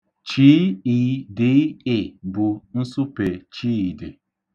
'Ch', 'i', 'd', 'ị' bụ nsụpe Chidị.